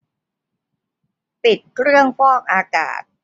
ปิดเครื่องฟอกอากาศ